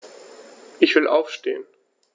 Ich will aufstehen.